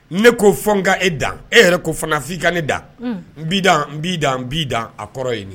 Ne ko fɔ n ka e dan, e yɛrɛ ko fana f'i ka ne dan, un, n bi dan, n bi dan a kɔrɔ yen nin